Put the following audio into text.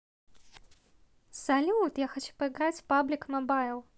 салют я хочу поиграть в public mobile